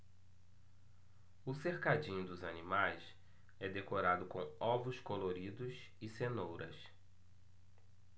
o cercadinho dos animais é decorado com ovos coloridos e cenouras